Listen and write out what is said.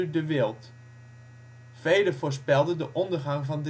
de Wild. Velen voorspelden de ondergang van